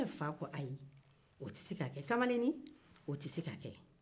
fa ko o tɛ se ka kɛ kamalennin